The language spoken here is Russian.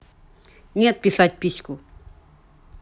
нет писать письку